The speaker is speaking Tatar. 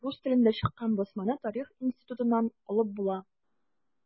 Рус телендә чыккан басманы Тарих институтыннан алып була.